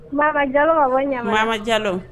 Mama jalo ma ɲa mama jalo